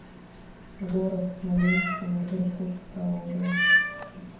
город смоленщина иркутская область